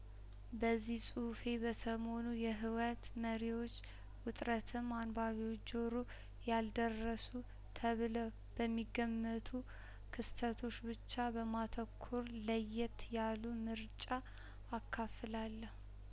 በዚህ ጹሁፌ በሰሞኑ የህ ወት መሪዎች ውጥረትም አንባቢዎች ጆሮ ያልደረሱ ተብለው በሚገመቱ ክስተቶች ብቻ በማተኮር ለየት ያሉ ምርጫ አካፍላለሁ